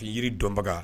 Jiri dɔnbaga